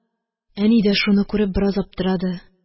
Әни дә шуны күреп бераз аптырады.